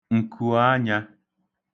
ǹkùanyā